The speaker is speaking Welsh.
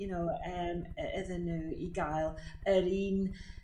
you know eem idden n'w i gael yr un